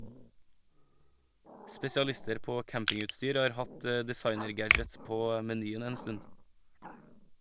Spesialister på campingutstyr har hatt designergadgets på menyen en stund.